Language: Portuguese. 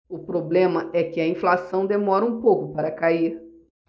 o problema é que a inflação demora um pouco para cair